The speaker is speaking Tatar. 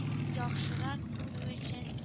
Яхшырак күрү өчен